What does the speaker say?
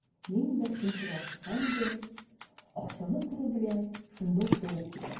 Мин бер сумканы ачкан идем, акчаны күрү белән, шунда ук ябып куйдым.